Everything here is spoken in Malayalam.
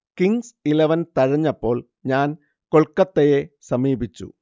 കിംഗ്സ് ഇലവൻ തഴഞ്ഞപ്പോൾ ഞാൻ കൊൽക്കത്തയെ സമീപിച്ചു